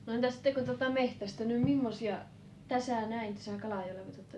no entäs sitten kun te olette metsästänyt mimmoisia tässä näin tässä Kalajoellako te olette